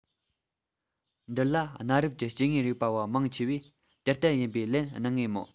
འདི ལ གནའ རབས ཀྱི སྐྱེ དངོས རིག པ བ མང ཆེ བས དེ ལྟ ཡིན པའི ལན གནང ངེས མོད